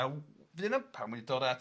A w- fydd na pan wi'n dod at